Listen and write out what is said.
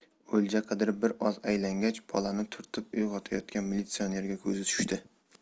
o'lja qidirib bir oz aylangach bolani turtib uyg'otayotgan militsionerga ko'zi tushdi